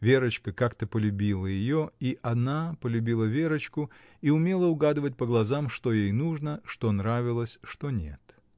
Верочка как-то полюбила ее, и она полюбила Верочку и умела угадывать по глазам, что ей нужно, что нравилось, что нет.